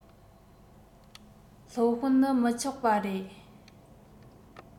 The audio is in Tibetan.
སློབ དཔོན ནི མི ཆོག པ རེད